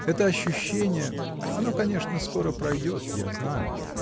Это ощущение: оно, конечно, скоро пройдет, я знаю.